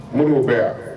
Mun bɛ yan